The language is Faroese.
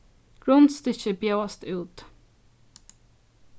grundstykki bjóðast út